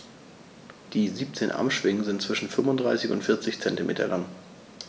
Die 17 Armschwingen sind zwischen 35 und 40 cm lang.